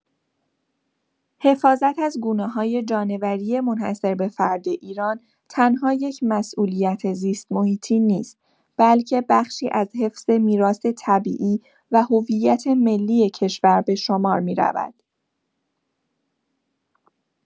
حفاظت از گونه‌های جانوری منحصر به‌فرد ایران تنها یک مسئولیت زیست‌محیطی نیست، بلکه بخشی از حفظ میراث طبیعی و هویت ملی کشور به شمار می‌رود.